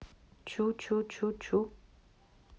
чу чу чу чу